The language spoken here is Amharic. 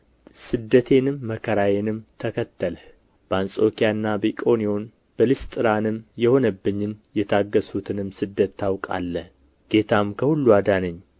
ስደቴንም መከራዬንም ተከተልህ በአንጾኪያና በኢቆንዮን በልስጥራንም የሆነብኝን የታገሥሁትንም ስደት ታውቃለህ ጌታም ከሁሉ አዳነኝ